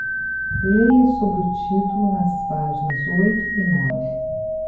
leia sobre o título nas páginas oito e nove